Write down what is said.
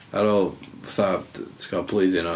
Ar ôl fatha tibod blwyddyn o...